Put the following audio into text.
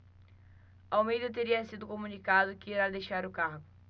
almeida teria sido comunicado que irá deixar o cargo